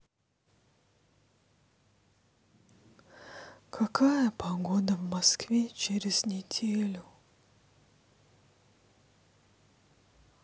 какая погода в москве через неделю